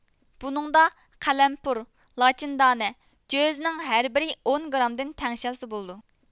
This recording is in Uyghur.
بۇنىڭدا قەلەمپۇر لاچىندانە جۆزنىڭ ھەربىرى ئون گرامدىن تەڭشەلسە بولىدۇ